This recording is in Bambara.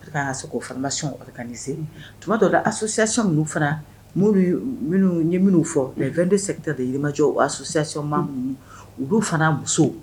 'asi ka ninse tuma la a sosoyasi minnu fana mori ye minnu fɔ fɛn bɛtamajɔ u wa sosoyasi ma minnu olu fana muso